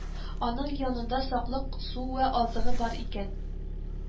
Аның янында саклык су вә азыгы бар икән